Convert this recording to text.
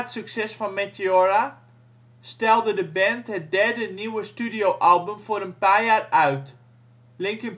succes van Meteora, stelde de band het derde nieuwe studioalbum voor een paar jaar uit. Linkin